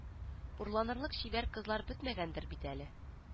Урланырлык чибәр кызлар бетмәгәндер бит әле